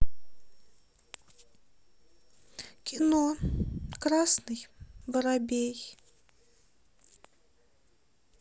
кино красный воробей